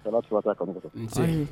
Atura taara a ka